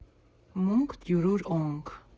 Մունք տյուրուր օնք։